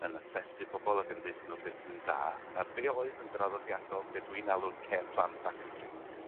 yn asesu bobol ag yn deutho n'w be' sy'n dda. A be' oedd yn draddodiadol be' dwi'n alw'n care plan factory